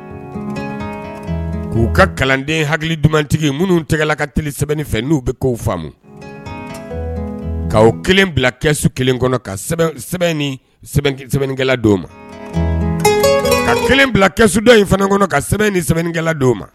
K'u ka kalanden hakili dumantigi minnu tɛgɛla kaeli sɛbɛnni fɛ n'u bɛ k' faamu k' kelen bila kɛ su kelen kɔnɔ ka sɛbɛn ni sɛbɛnkɛla di' ma ka kelen bila kɛ sudɔn in fana kɔnɔ ka sɛbɛn ni sɛbɛnkɛla di' ma